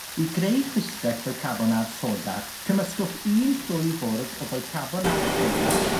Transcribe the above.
I greu chwistrell bicarbonad soda cymysgwch un llwy fwrdd o bicarbonad soda